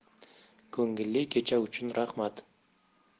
ko'ngilli kecha uchun rahmat